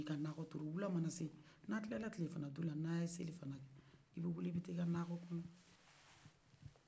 n'i ye ka nagɔ turu wula mana se n'a kilala kilela fana to la n'a ya seli fɔnɔ i b'i wili i b'i ta i ka nagɔ kɔnɔ